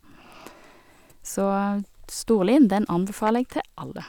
Så Storlien, den anbefaler jeg til alle.